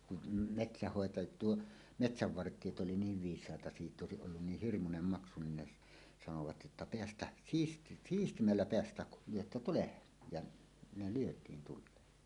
kun metsänhoitaja tuo metsävartijat oli niin viisaita sitten olisi ollut niin hirmuinen maksu niin ne - sanoivat jotta päästään - siistimmällä päästään kun lyötte tuleen ja ne lyötiin tuleen